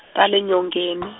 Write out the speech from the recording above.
ya le nyongeni.